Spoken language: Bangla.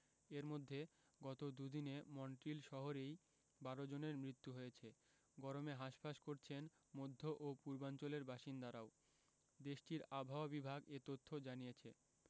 এর মধ্যে গত দুদিনে মন্ট্রিল শহরেই ১২ জনের মৃত্যু হয়েছে গরমে হাসফাঁস করছেন মধ্য ও পূর্বাঞ্চলের বাসিন্দারাও দেশটির আবহাওয়া বিভাগ এ তথ্য জানিয়েছে